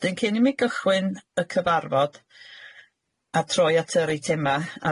'Dyn cyn i mi gychwyn y cyfarfod a troi at yr eitema